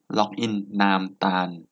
ล็อกอินนามตาล